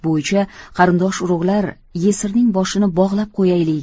bo'yicha qarindosh urug'lar yesirning boshini bog'lab qo'yaylik